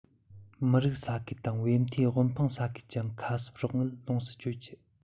མི རིགས ས ཁུལ དང བས མཐའི དབུལ ཕོངས ས ཁུལ གྱི ཁ གསབ རོགས དངུལ ལོངས སུ སྤྱོད རྒྱུ